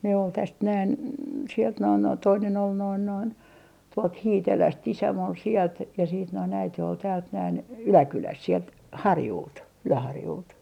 ne oli tästä näin sieltä noin noin toinen oli noin noin tuolta Hiitelästä isäni oli sieltä ja sitten noin äiti oli täältä näin Yläkylästä sieltä Harjulta Yläharjulta